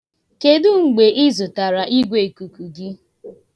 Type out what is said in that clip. Kedụ mgbe ị azụtara igweikuku gị?